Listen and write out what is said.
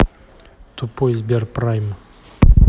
тупой сберпрайм